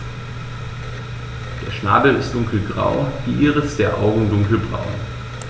Der Schnabel ist dunkelgrau, die Iris der Augen dunkelbraun.